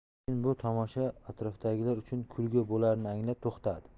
elchin bu tomosha atrofdagilar uchun kulgi bo'larini anglab to'xtadi